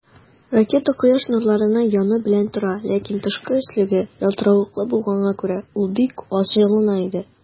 Ракета Кояш нурларына яны белән тора, ләкин тышкы өслеге ялтыравыклы булганга күрә, ул бик аз җылына иде.